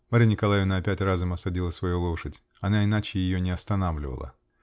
Марья Николаевна опять разом осадила свою лошадь: она иначе ее не останавливала.